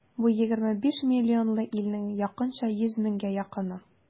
Бу егерме биш миллионлы илнең якынча йөз меңгә якыны.